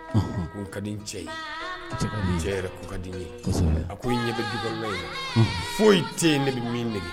Ko ka di cɛ ye cɛ ka di a ko foyi tɛ ne min